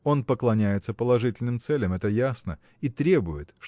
Он поклоняется положительным целям – это ясно и требует